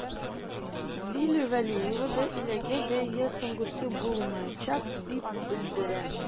Зилә вәлиева да әлеге бәйге соңгысы булмаячак дип белдерә.